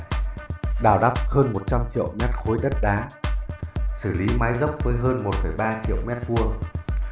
đào đắp hơn triệu m đất đá xử lý mái dốc hơn triệu m